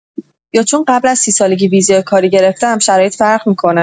یا چون قبل از سی‌سالگی ویزا کاری گرفتیم شرایط فرق می‌کنه؟